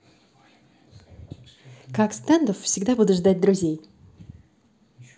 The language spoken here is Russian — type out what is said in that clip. как стендов всегда буду ждать друзей